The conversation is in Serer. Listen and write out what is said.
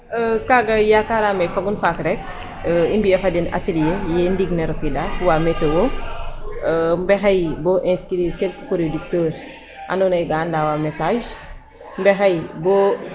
Kaaga yakaaraam ee fagun gaak rek i mbi'aa fo den atelier ye ndiig na rokiida wa météo mbexey bo inscrir quelques producteur andoona yee gaa ndawaa message mbexey bo .